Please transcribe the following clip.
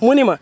mu ni ma